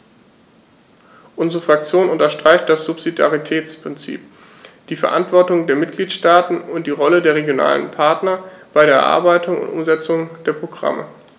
Unsere Fraktion unterstreicht das Subsidiaritätsprinzip, die Verantwortung der Mitgliedstaaten und die Rolle der regionalen Partner bei der Erarbeitung und Umsetzung der Programme.